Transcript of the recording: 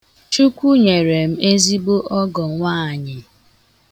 Chukwu nyere m ezigbo ọgọ nwaanyị.